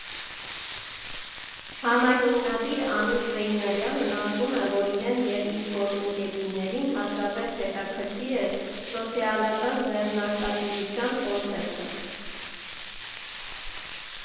Համահիմնադիր Անուշ Զեյնալյանն ասում է, որ իրեն և իր գործընկերուհիներին հատկապես հետաքրքիր էր սոցիալական ձեռնարկատիրության կոնցեպտը։